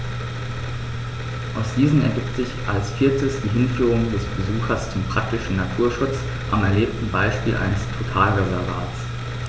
Aus diesen ergibt sich als viertes die Hinführung des Besuchers zum praktischen Naturschutz am erlebten Beispiel eines Totalreservats.